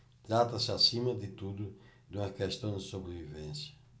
trata-se acima de tudo de uma questão de sobrevivência